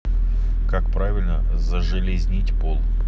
как правильно зажелезнить пол